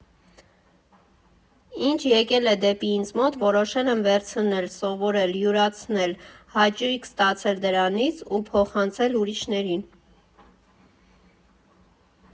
Ինչ եկել է դեպի ինձ, որոշել եմ վերցնել, սովորել, յուրացնել, հաճույք ստացել դրանից ու փոխանցել ուրիշներին։